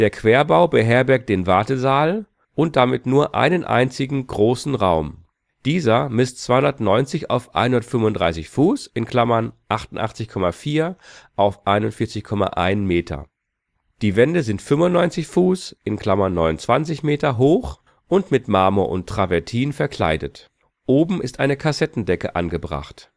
Querbau beherbergt den Wartesaal und damit nur einen einzigen, großen Raum. Dieser misst 290 auf 135 Fuß (88,4 auf 41,1 Meter). Die Wände sind 95 Fuß (29 Meter) hoch und mit Marmor und Travertin verkleidet. Oben ist eine Kassettendecke angebracht